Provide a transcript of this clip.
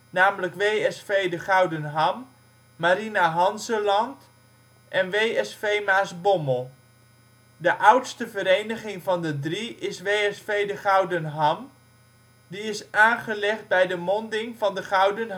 namelijk WSV de Gouden Ham, Marina Hanzeland, en WSV Maasbommel. De oudste vereniging van de drie is WSV De Gouden Ham, die is aangelegd bij de monding van de gouden